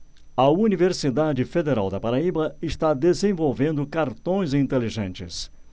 a universidade federal da paraíba está desenvolvendo cartões inteligentes